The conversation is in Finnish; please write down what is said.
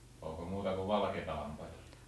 oliko muuta kuin valkeita lampaita